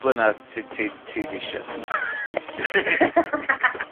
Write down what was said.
blynadd ti ti ti'n isio.